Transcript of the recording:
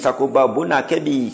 sagoba bo na kɛ bi